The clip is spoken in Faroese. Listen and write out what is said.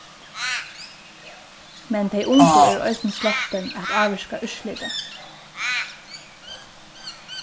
men tey ungu eru eisini sloppin at ávirka úrslitið